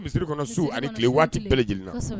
Misiri kɔnɔ su ani ni tile waati bɛɛ lajɛlen na.